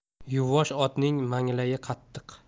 yuvvosh otning manglayi qattiq